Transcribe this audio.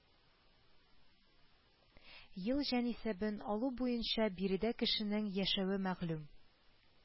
Ел җанисәбен алу буенча биредә кешенең яшәве мәгълүм